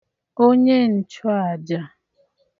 onyeǹchụàjà